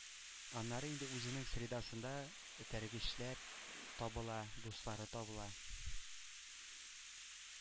Аннары инде үзенең средасында этәргечләр табыла, дуслары табыла.